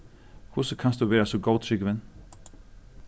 hvussu kanst tú vera so góðtrúgvin